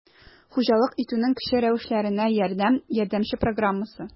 «хуҗалык итүнең кече рәвешләренә ярдәм» ярдәмче программасы